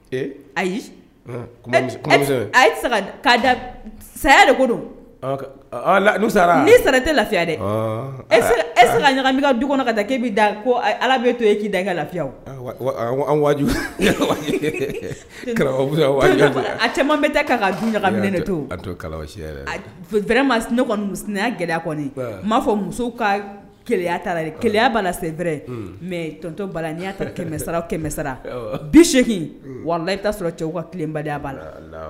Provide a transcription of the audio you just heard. Ayi saya lafiya dɛ e du kɔnɔ' da ala bɛ to e ci da ka lafiya waju bɛ ta du ɲagaminɛ to ma neya gɛlɛya kɔni n m'a fɔ musow ka keya taara keya senɛrɛ mɛ ttɔsa kɛmɛ bi seegin wara i sɔrɔ cɛw ka tilebali' la